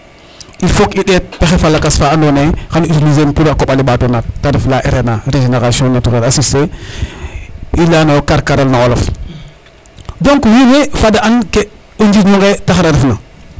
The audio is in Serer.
il faut que i ɗeet pexey fa lakas fa ando naye xano utiliser in pour a koɓale ɓato naat te ref la RNA regeneration naturel assister i leyano yo Kakaral no olof donc wiin we fada an ke o njirño nge taxara ref na